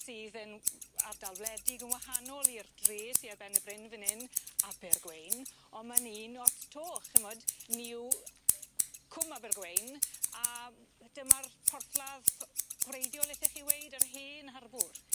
Sydd yn w- ardal wledig yn wahanol i'r dre sy ar ben y bryn fyn 'yn Abergwein on' ma'n un ots 'o ch'mod ni yw yy Cwm Abergwein a m- dyma'r porthladd gwreiddiol ellech chi weud yr hen harbwr.